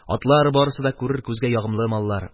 Атлар барысы да күрер күзгә ягымлы маллар.